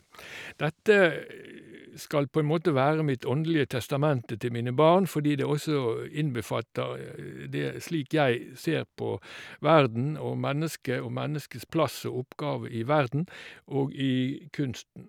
Dette skal på en måte være mitt åndelige testamente til mine barn, fordi det også innbefatter det slik jeg ser på verden og mennesket og menneskets plass og oppgave i verden, og i kunsten.